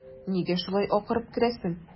Нигә шулай акырып керәсең?